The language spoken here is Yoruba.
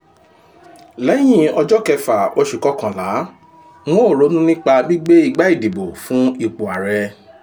Lẹ́yìn ọjọ́ kẹfà oṣù kọọkànlá, n ó ronú nípa gbígbé igbá ìdìbò fún ipò ààrẹ.